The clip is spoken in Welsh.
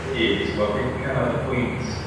...cyhyd ti'n gwbo byth cyrradd y pwynt